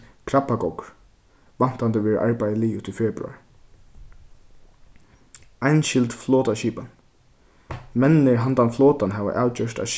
krabbagoggur væntandi verður arbeiðið liðugt í februar einskild flotaskipan menninir handan flotan hava avgjørt at